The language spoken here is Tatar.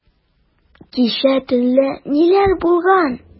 Кичә төнлә ниләр булган?